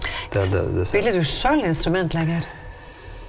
spiller du sjøl instrument lenger?